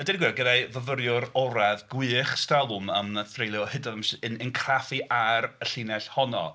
A deud gwir gynna i fyfyriwr ôl-radd gwych ers talwm yym wnaeth dreulio hydoedd yn craffu ar y llinell honno